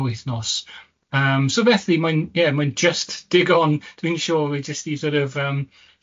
wythnos, yym so felly mae'n, ie, mae'n jyst digon dwi'n siŵr i jyst i sor' of yym